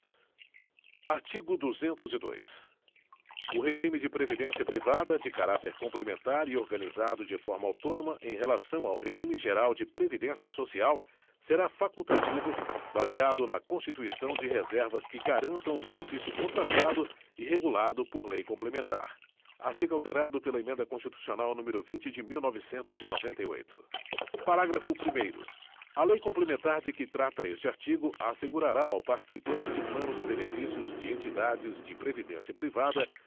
artigo duzentos e dois o regime de previdência privada de caráter complementar e organizado de forma autônoma em relação ao regime geral de previdência social será facultativo baseado na constituição de reservas que garantam o benefício contratado e regulado por lei complementar artigo alterado pela emenda constitucional número vinte de mil novecentos e noventa e oito parágrafo primeiro a lei complementar de que trata este artigo assegurará ao participante de planos de benefícios de entidades de previdência privada